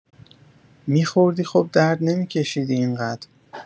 می‌خوردی خب درد نمی‌کشیدی اینقد